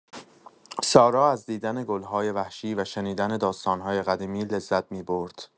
سارا از دیدن گل‌های وحشی و شنیدن داستان‌های قدیمی لذت می‌برد.